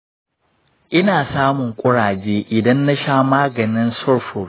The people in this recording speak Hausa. ina samun ƙuraje idan na sha maganin sulfur.